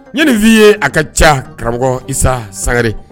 Ye nin f'i ye a ka ca karamɔgɔ isa sagagaɛrɛre